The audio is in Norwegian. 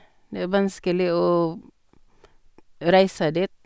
Det er vanskelig å reise dit.